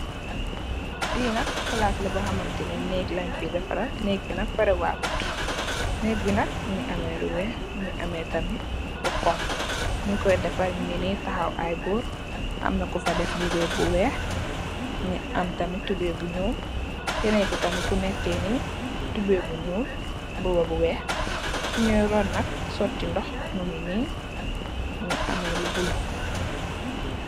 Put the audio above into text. Fii nak palaas la boxamtene neeg lenj fay defarat, neeg bi nak parewagut, neeg bi nak mingi ame lu weex, mingi ame tamit lu xonxu, nyu ko defar nyi ngi nee tahaw ay goor, am na ku fa def, mbuba bu weex, mingi am tamit tubey bu nyuul, keneen ki tamit, kunekeni tubey bu nyuul, mbuba bu weex, fu nyu root nak sooti ndox, mingi ni, mingi ame lu bula.